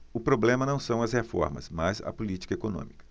o problema não são as reformas mas a política econômica